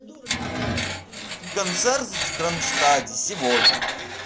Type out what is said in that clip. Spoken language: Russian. концерт в кронштадте сегодня